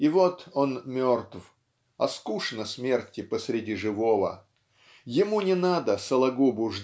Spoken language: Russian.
и вот он мертв -- а скучно смерти посреди живого. Ему не надо Сологубу